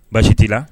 Baasi t'i la